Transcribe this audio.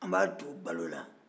an b'a don balo la